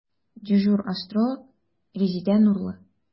Дежур астролог – Резеда Нурлы.